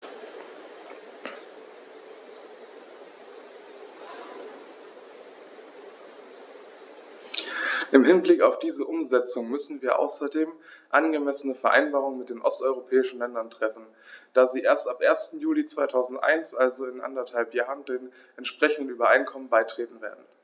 Im Hinblick auf diese Umsetzung müssen wir außerdem angemessene Vereinbarungen mit den osteuropäischen Ländern treffen, da sie erst ab 1. Juli 2001, also in anderthalb Jahren, den entsprechenden Übereinkommen beitreten werden.